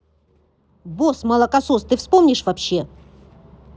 босс молокосос ты вспомнишь вообще